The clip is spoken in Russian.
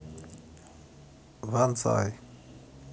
vanzai